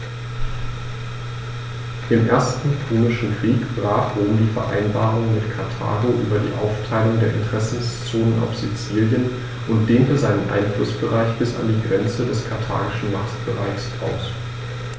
Im Ersten Punischen Krieg brach Rom die Vereinbarung mit Karthago über die Aufteilung der Interessenzonen auf Sizilien und dehnte seinen Einflussbereich bis an die Grenze des karthagischen Machtbereichs aus.